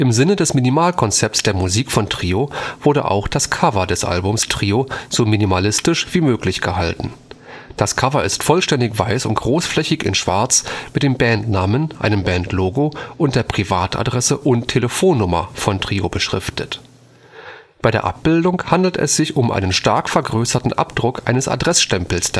Sinne des Minimal-Konzepts der Musik von Trio wurde auch das Cover des Albums Trio so minimalistisch wie möglich gehalten. Das Cover ist vollständig weiß und großflächig in schwarz mit dem Bandnamen, einem Bandlogo und der Privatadresse und - telefonnummer von Trio beschriftet. Bei der Abbildung handelt es sich um einen stark vergrößerten Abdruck eines Adressstempels